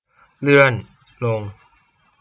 เลื่อนลง